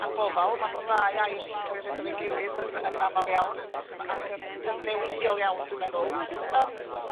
a gofal ma' nw'n ddau air sy'n ca'l 'u rhoid efo'i gilydd yn yn amal iawn ma' ac yn gyfnewidiol iawn dwi'n meddwl. Yym.